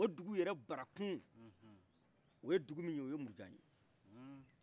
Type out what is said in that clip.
o dugu yɛrɛ barakun oye dugu munye oye murujan